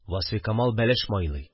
Васфикамал бәлеш майлый